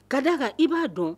Ka d'a kan i b'a dɔn